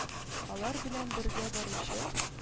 Алар белән бергә баручы